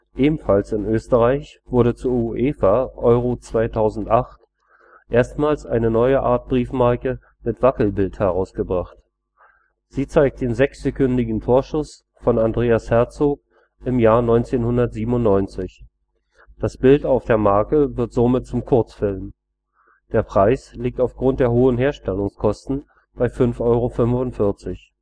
Ebenfalls in Österreich wurde zur UEFA EURO 2008 erstmals eine neue Art Briefmarke mit Wackelbild herausgebracht. Sie zeigt den 6-sekündigen Torschuss von Andreas Herzog im Jahr 1997. Das Bild auf der Marke wird somit zum Kurzfilm. Der Preis liegt aufgrund der hohen Herstellungskosten bei 5,45 €